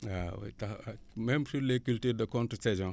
waaw taxa même sur les cultures de contre saison